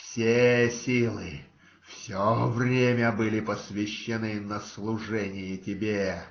Все силы, все время были посвящены на служение тебе.